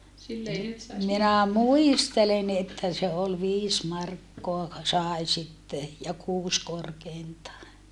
minä muistelen että se oli viisi markkaa sai sitten ja kuusi korkeintaan